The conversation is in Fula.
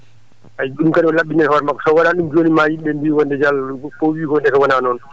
a yiyii ko ɗum kadi o laɓinii heen hoore makko so waɗaani ɗum jooni ma yimɓe ɓe mbi wonde da ko wiyi ko wonaa noon